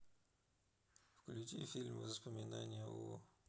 включи фильм воспоминания о